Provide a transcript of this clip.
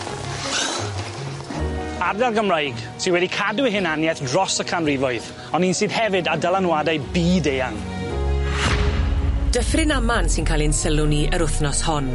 Ardal Gymraeg sy wedi cadw hunaniaeth dros y canrifoedd on' un sydd hefyd â dylanwadau byd eang. Dyffryn Aman sy'n ca'l ein sylw ni yr wythnos hon.